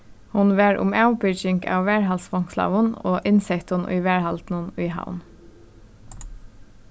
hon var um avbyrging av varðhaldsfongslaðum og innsettum í varðhaldinum í havn